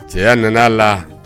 Cɛ ya nana la.